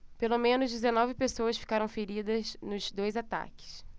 pelo menos dezenove pessoas ficaram feridas nos dois ataques